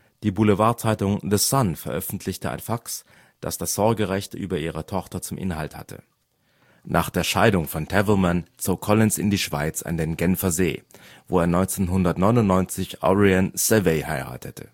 Die Boulevardzeitung The Sun veröffentlichte ein Fax, das das Sorgerecht über ihre Tochter zum Inhalt hatte. Nach der Scheidung von Tavelman zog Collins in die Schweiz an den Genfersee, wo er 1999 Orianne Cevey heiratete